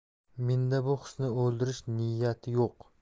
menda bu hisni o'ldirish niyati yo'q